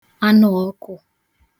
anụọ̄ọkụ̀